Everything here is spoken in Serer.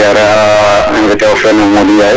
siare'a invité of fene Modou Ndiaye